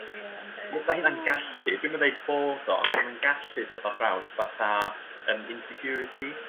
Ia yndi. ma' hynna'n gallu dwi'm yn deud bod o ond so mae'n gallu dod ar draws fatha yn insecurity.